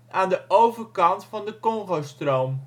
aan de overkant van de Congo-stroom